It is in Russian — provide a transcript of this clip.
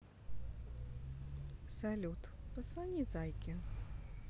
салют позвони зайке